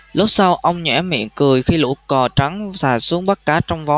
lúc sau ông nhoẻn miệng cười khi lũ cò trắng sà xuống bắt cá trong vó